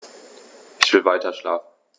Ich will weiterschlafen.